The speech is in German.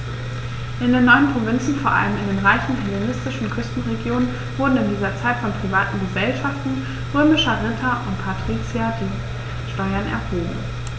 In den neuen Provinzen, vor allem in den reichen hellenistischen Küstenregionen, wurden in dieser Zeit von privaten „Gesellschaften“ römischer Ritter und Patrizier die Steuern erhoben.